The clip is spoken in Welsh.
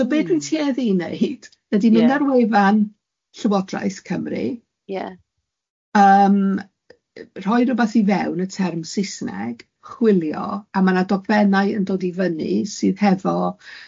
So be dwi'n tueddu i wneud ydi mynd ar wefan... Ie. ...Llywodraeth Cymru... Ie. ...yym rhoi rywbeth i fewn y term Saesneg, chwilio, a ma' na dogfennau yn dod i fyny sydd hefo